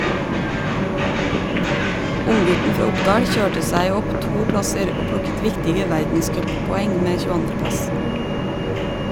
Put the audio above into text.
Unggutten fra Oppdal kjørte seg opp to plasser og plukket viktige verdenscuppoeng med 22. plass.